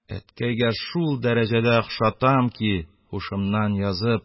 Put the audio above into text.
Әткәйгә шул дәрәҗәдә ошатам ки, һушымнан язып: